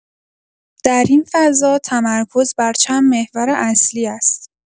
در این فضا تمرکز بر چند محور اصلی است.